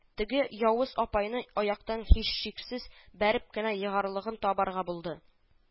Теге явыз апайны аяктан һичшиксез бәреп кенә егарлыгын табарга булды